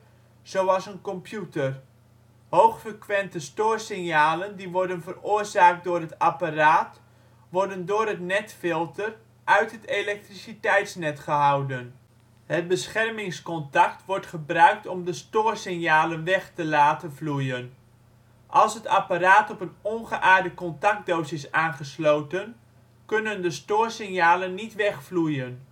zoals een computer. Hoogfrequente stoorsignalen die worden veroorzaakt door het apparaat worden door het netfilter uit het elektriciteitsnet gehouden. Het beschermingsconact wordt gebruikt om de stoorsignalen weg te laten vloeien. Als het apparaat op een ongeaarde contactdoos is aangesloten kunnen de stoorsignalen niet weg vloeien